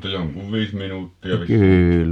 mutta jonkun viisi minuuttia vissiin